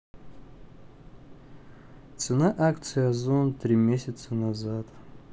цена акций озон три месяца назад